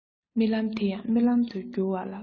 རྨི ལམ དེ ཡང རྨི ལམ དུ འགྱུར ལ ཉེ